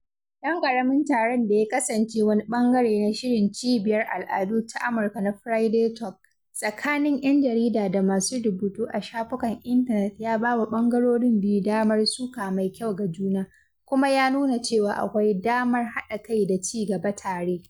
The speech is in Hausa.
Ɗan ƙaramin taron da ya kasance wani ɓangare na shirin Cibiyar Al'adu ta Amurka na “Friday Talk”, tsakanin ‘yan jarida da masu rubutu a shafukan intanet ya bawa ɓangarorin biyu damar suka mai kyau ga juna, kuma ya nuna cewa akwai damar haɗa kai da ci gaba tare.